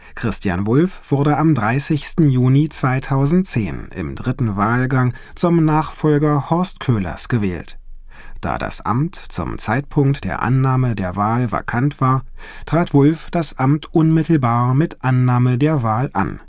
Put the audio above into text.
Christian Wulff wurde am 30. Juni 2010, im dritten Wahlgang, zum Nachfolger Horst Köhlers gewählt. Da das Amt zum Zeitpunkt der Annahme der Wahl vakant war, trat Wulff das Amt unmittelbar mit Annahme der Wahl an